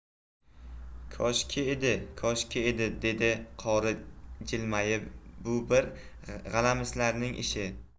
koshki edi koshki edi dedi qori jilmayib bu bir g'alamislarning ishi